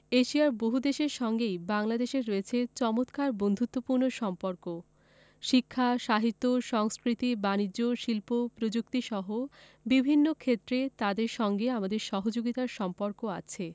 এশিয়ার বহুদেশের সঙ্গেই বাংলাদেশের রয়েছে চমৎকার বন্ধুত্বপূর্ণ সম্পর্ক শিক্ষা সাহিত্য সংস্কৃতি বানিজ্য শিল্প প্রযুক্তিসহ বিভিন্ন ক্ষেত্রে তাদের সঙ্গে আমাদের সহযোগিতার সম্পর্ক আছে